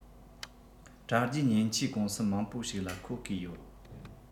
དྲ རྒྱའི མཉེན ཆས ཀུང སི མང པོ ཞིག ལ ཁོ བརྐོས ཡོད